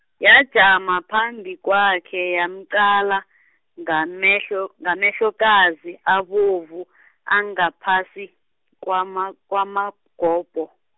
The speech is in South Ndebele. yajama phambi kwakhe yamqala , ngamehlo ngamehlokazi abovu , angaphasi, kwama- kwamagobho.